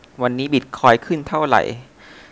วันนี้บิทคอยน์ขึ้นเท่าไหร่